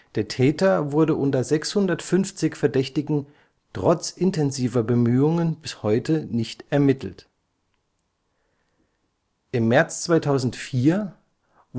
Der Täter wurde unter 650 Verdächtigen trotz intensiver Bemühungen bis heute nicht ermittelt. Im März 2004 wurde